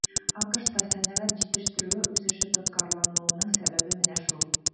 АКШта сәнәгать җитештерүе үсеше тоткарлануның сәбәбе менә шул.